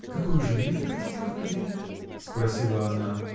– Какую же мебель хотите вы в кабинет? – спросила она.